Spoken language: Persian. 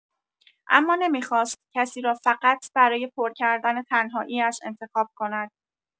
اما نمی‌خواست کسی را فقط برای پر کردن تنهایی‌اش انتخاب کند.